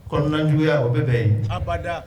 Kɔnɔna juguyaya o bɛɛ bɛ yen abada